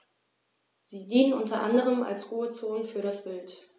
Sie dienen unter anderem als Ruhezonen für das Wild.